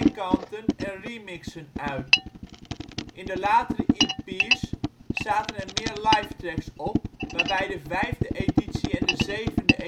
b-kanten en remixen uit. In de latere EP 's zaten er meer live-tracks op, waarbij de vijfde editie en de zevende